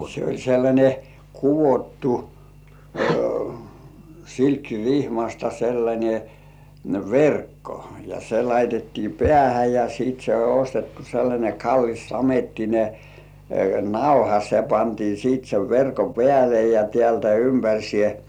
se oli sellainen kudottu silkkirihmasta sellainen verkko ja se laitettiin päähän ja sitten se oli ostettu sellainen kallis samettinen nauha se pantiin sitten sen verkon päälle ja täältä ympäri